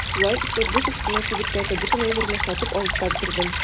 Шулай итеп бу кечкенә кибеттәге бөтен әйберне сатып алып та бетердем.